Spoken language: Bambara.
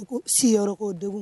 U ko siyɔrɔko degun